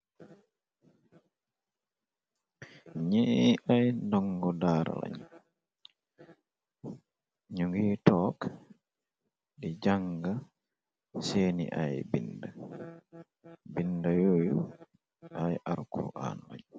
Nye aye ndongu daara lan nuge tonke di janga seni aye beda beda yoyu aye alquraan len.